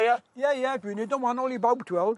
Ie ie dwi'n neud o'n wa'nol i bawb t'weld?